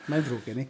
Mae'n ddrwg gen i.